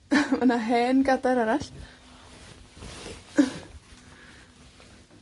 Ma' 'na hen gadair arall.